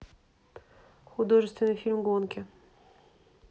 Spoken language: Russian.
художественный фильм гонки